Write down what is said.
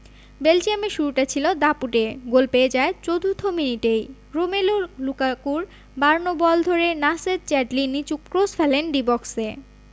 বেলজিয়ামের শুরুটা ছিল দাপুটে গোল পেয়ে যায় চতুর্থ মিনিটেই রোমেলু লুকাকুর বাড়ানো বল ধরে নাসের চ্যাডলি নিচু ক্রস ফেলেন ডি বক্সে